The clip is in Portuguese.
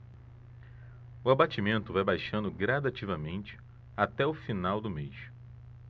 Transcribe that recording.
o abatimento vai baixando gradativamente até o final do mês